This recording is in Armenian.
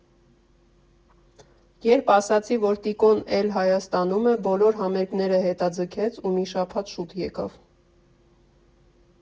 Երբ ասացի, որ Տիկոն էլ Հայաստանում է, բոլոր համերգները հետաձգեց ու մի շաբաթ շուտ եկավ։